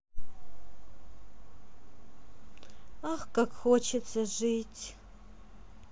ах как хочется жить